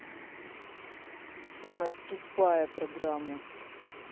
самая тупая программа